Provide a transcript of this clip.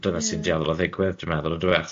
wedyn dyna sy'n dyeddol o ddigwydd dwi'n meddwl yndyw e?